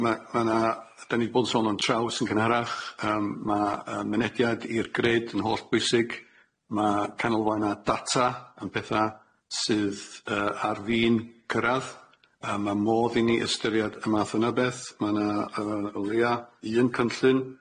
Ie ma' ma' ma' na dan ni bod yn sôn am traws yn gynharach yym ma' yy mynediad i'r grid yn hollbwysig ma' canolfana data yn betha sydd yy ar fin cyrradd yy ma' modd i ni ystyried y math yna o beth ma' na o leia un cynllun.